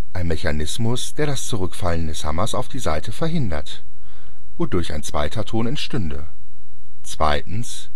ein Mechanismus, der das Zurückfallen des Hammers auf die Saite verhindert (wodurch ein zweiter Ton entstünde); ein Dämpfer